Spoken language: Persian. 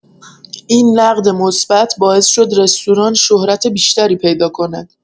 این نقد مثبت باعث شد رستوران شهرت بیشتری پیدا کند.